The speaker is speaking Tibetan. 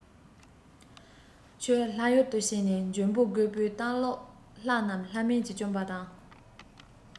ཁྱོད ལྷ ཡུལ དུ ཕྱིན ནས འཇོན པོ རྒོས པོ བཏང ལུགས ལྷ རྣམས ལྷ མིན གྱིས བཅོམ པ དང